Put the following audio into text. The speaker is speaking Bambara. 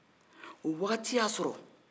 o wagati y'a sɔrɔ